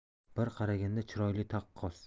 bir qaraganda chiroyli taqqos